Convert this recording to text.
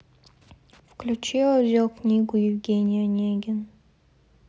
включи аудиокнигу евгений онегин